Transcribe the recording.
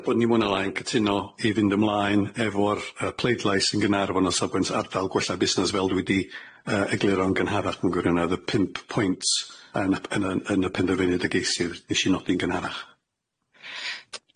Ie bo' ni mwy na lai'n cytuno i fynd ymlaen efo'r yy pleidlais yn Gaernarfon o safbwynt ardal gwella busnes fel dwi 'di yy egluro'n gynharach mewn gwirionedd y pump pwynt yn y p- yn y yn y penderfyniad a geisir nesh i nodi'n gynharach.